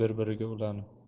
bir biriga ulanib